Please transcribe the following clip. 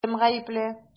Кем гаепле?